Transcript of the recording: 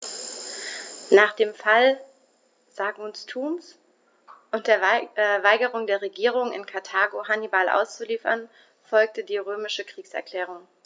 Nach dem Fall Saguntums und der Weigerung der Regierung in Karthago, Hannibal auszuliefern, folgte die römische Kriegserklärung.